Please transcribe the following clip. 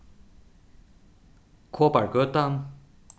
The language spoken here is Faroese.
kopargøta